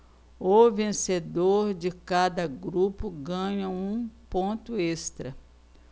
o vencedor de cada grupo ganha um ponto extra